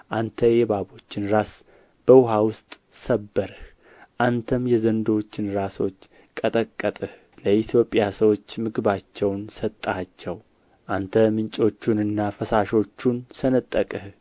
አንተ የእባቦችን ራስ በውኃ ውስጥ ሰበርህ አንተም የዘንዶውን ራሶች ቀጠቀጥህ ለኢትዮጵያ ሰዎችም ምግባቸውን ሰጠሃቸው አንተ ምንጮቹንና ፈሳሾቹን ሰነጠቅህ